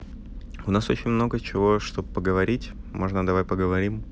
у нас очень много чего чтоб поговорить можно давай поговорим